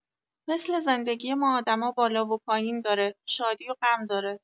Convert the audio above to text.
مثل زندگی ما آدما، بالا و پایین داره، شادی و غم داره.